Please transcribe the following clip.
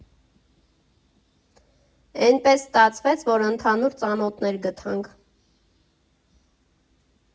Էնպես ստացվեց, որ ընդհանուր ծանոթներ գտանք։